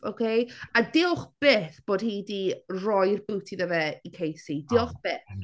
Ok. A diolch byth bod hi 'di rhoi'r boot iddo fe i Casey... O ...diolch byth.